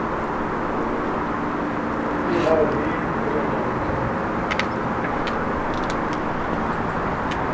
eg havi bil í eina viku